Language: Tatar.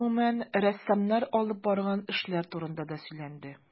Гомүмән, рәссамнар алып барган эшләр турында да сөйләнде.